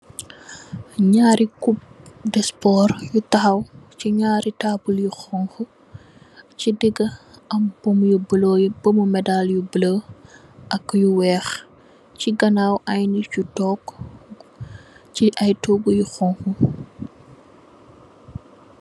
Ñaari kup dospoor, yu tahaw ci ñaari tabul yu xonxu, ci diga am pomu medaal yu buleuh ak yu weex, ci ganaaw aye nit yu took, ci aye toogu yu xonxu.